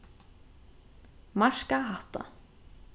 marka hatta